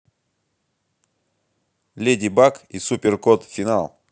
леди баг и супер кот финал